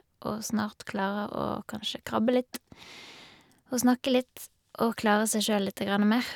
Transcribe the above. Og snart klarer å kanskje krabbe litt og snakke litt, og klarer seg sjøl lite grann mer.